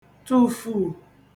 tụ̀fù